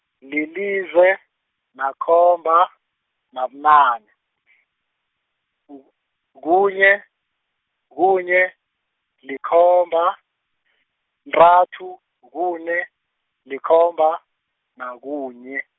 lilize, nakhomba, nabunane , ku- kunye, kunye, likhomba, -ntathu, kune, likhomba, nakunye.